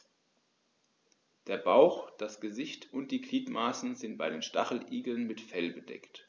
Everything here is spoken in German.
Der Bauch, das Gesicht und die Gliedmaßen sind bei den Stacheligeln mit Fell bedeckt.